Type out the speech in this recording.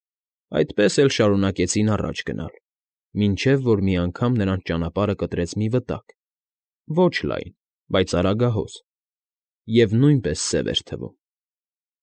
Այդպես էլ շարունակեցին առաջ գնալ, մինչև որ մի անգամ նրանց ճանապարհը կտրեց մի վտակ՝ ոչ լայն, բայց արագահոս, և նույնպես սև էր թվում։